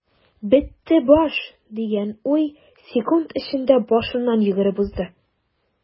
"бетте баш” дигән уй секунд эчендә башыннан йөгереп узды.